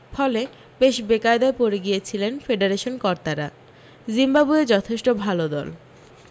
ফলে বেশ বেকায়দায় পড়ে গিয়েছিলেন ফেডারেশন কর্তারা জিম্বাবোয়ে যথেষ্ট ভাল দল